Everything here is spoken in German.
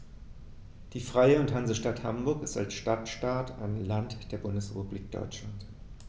Die Freie und Hansestadt Hamburg ist als Stadtstaat ein Land der Bundesrepublik Deutschland.